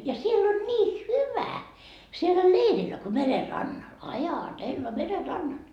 ja siellä oli niin hyvä siellä leirillä kun meren rannalla ajatella meren rannalla